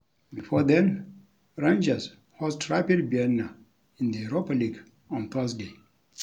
Before then, Rangers host Rapid Vienna in the Europa League on Thursday.